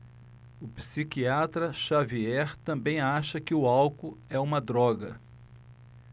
o psiquiatra dartiu xavier também acha que o álcool é uma droga